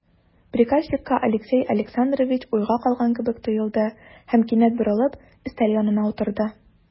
Приказчикка Алексей Александрович уйга калган кебек тоелды һәм, кинәт борылып, өстәл янына утырды.